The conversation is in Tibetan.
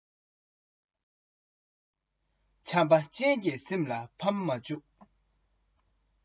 བྱས པ ཅན གྱི སེམས པ ཕམ མ འཇུག